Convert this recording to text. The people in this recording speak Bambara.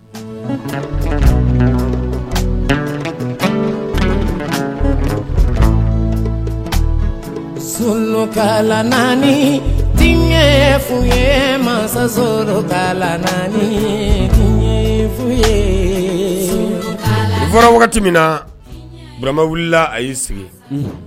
Sunkala naani f ye masa sɔrɔ naaniɲɛ f ye fɔra wagati min naurama wulila a y'i sigi